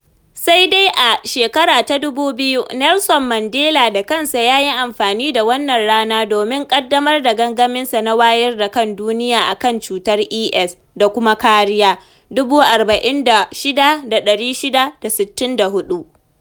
Sai dai a 2000, Nelson Mandela da kansa ya yi amfani da wannan rana domin ƙaddamar gangaminsa na wayar da kan duniya a kan cutar Es da kuma kariya, 46664.